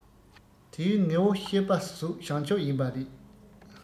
དེའི ངོ བོ ཤེས པ གཟོད བྱང ཆུབ ཡིན པ རེད